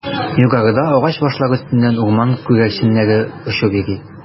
Югарыда агач башлары өстеннән урман күгәрченнәре очып йөри.